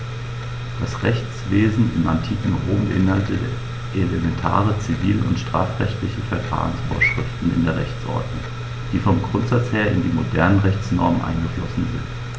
Das Rechtswesen im antiken Rom beinhaltete elementare zivil- und strafrechtliche Verfahrensvorschriften in der Rechtsordnung, die vom Grundsatz her in die modernen Rechtsnormen eingeflossen sind.